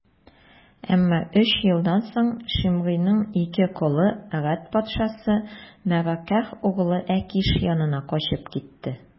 Әмма өч елдан соң Шимгыйның ике колы Гәт патшасы, Мәгакәһ углы Әкиш янына качып китте.